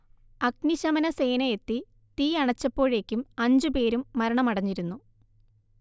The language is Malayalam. അഗ്നിശമന സേന എത്തി തീ അണച്ചപ്പോഴേക്കും അഞ്ചു പേരും മരണമടഞ്ഞിരുന്നു